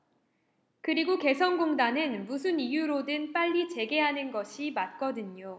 그리고 개성공단은 무슨 이유로든 빨리 재개하는 것이 맞거든요